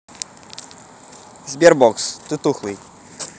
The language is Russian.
sberbox ты тухлый